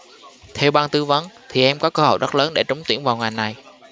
theo ban tư vấn thì em có cơ hội rất lớn để trúng tuyển vào ngành này